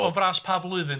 O fras pa flwyddyn?